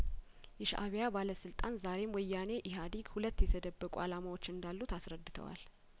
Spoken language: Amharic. የሻእቢያው ባለስልጣን ዛሬም ወያኔ ኢህአዴግ ሁለት የተደበቁ አላማዎች እንዳሉት አስረድተዋል